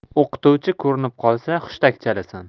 o'qituvchi ko'rinib qolsa hushtak chalasan